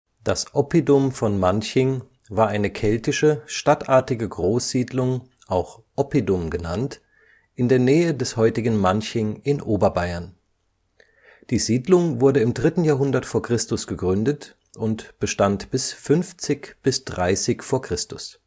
Das Oppidum von Manching war eine keltische stadtartige Großsiedlung (Oppidum) in der Nähe des heutigen Manching (Oberbayern). Die Siedlung wurde im 3. Jahrhundert v. Chr. gegründet und bestand bis 50 – 30 v. Chr.